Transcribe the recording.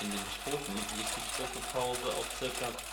den Tropen liegt die Tropopause auf ca.